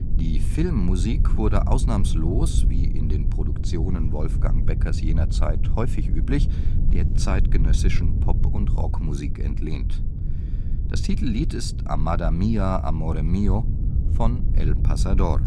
Die Filmmusik wurde ausnahmslos, wie in den Produktionen Wolfgang Beckers jener Zeit häufig üblich, der zeitgenössischen Pop - und Rockmusik entlehnt. Das Titellied ist Amada mia, amore mio von El Pasador